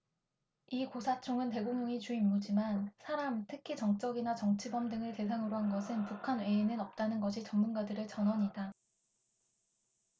이 고사총은 대공용이 주임무지만 사람 특히 정적이나 정치범 등을 대상으로 한 것은 북한 외에는 없다는 것이 전문가들의 전언이다